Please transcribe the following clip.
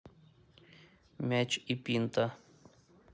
мяч и пинта